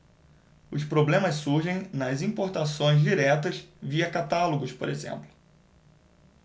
os problemas surgem nas importações diretas via catálogos por exemplo